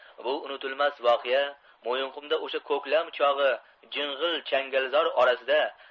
bu unutilmas voqea mo'yinqumda o'sha ko'klam chog'i jing'il changalzor orasida